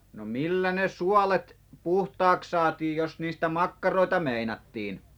no millä ne suolet puhtaaksi saatiin jos niistä makkaroita meinattiin